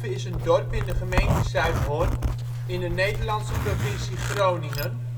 is een dorp in de gemeente Zuidhorn in de Nederlandse provincie Groningen